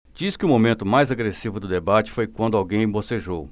diz que o momento mais agressivo do debate foi quando alguém bocejou